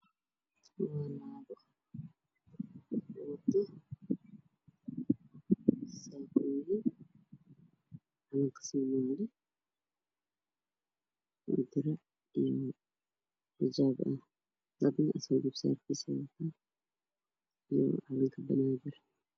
Waa hal guri ah oo albaabkiisu furanyahay waxaa kasoo baxayo gaari madow iyo mooto cadaan ah